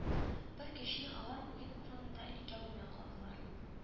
Бер кичне алар уен урынында икәү генә калдылар